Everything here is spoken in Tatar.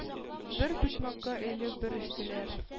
Бер почмакка өелеп бөрештеләр.